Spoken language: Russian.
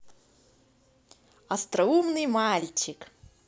остроумный мальчик